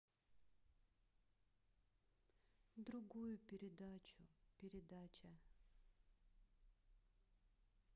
другую передачу передача